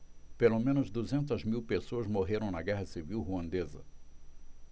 pelo menos duzentas mil pessoas morreram na guerra civil ruandesa